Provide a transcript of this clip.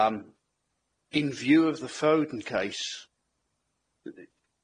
Yym in view of the Foden case,